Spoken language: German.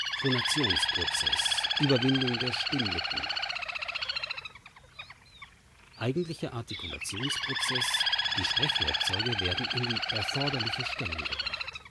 Phonationsprozess: Überwindung der Stimmlippen eigentlicher Artikulationsprozess: die Sprechwerkzeuge werden in die erforderliche Stellung gebracht